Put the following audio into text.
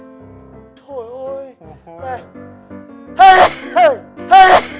thồi ôi này hắt hơi